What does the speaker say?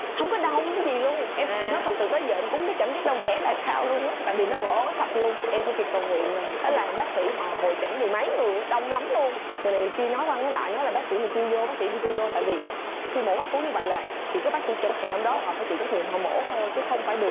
không có đau cái gì luôn em nói thật sự tới giờ em cũng biết cảm giác đau đẻ là sao luôn á tại vì nó mổ sập luôn em chỉ việc cầu nguyện là thế là bác sĩ họ hội chẩn mười mấy người đông lắm luôn người này người kia nói qua nói lại nói là bác sĩ chưa dô bác sĩ kia chưa dô tại vì khi mổ cấp cứu như vậy là chỉ có bác sĩ trực ngày hôm đó là họ phải chịu trách nhiệm họ mổ thôi chứ không phải được